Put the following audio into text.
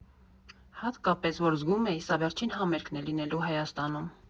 Հատկապես, որ զգում էի՝ սա վերջին համերգն է լինելու Հայաստանում։